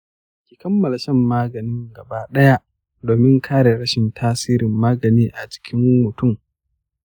ki kammala shan maganin gaba daya domin kare rashin tasirin magani a jikin mutum.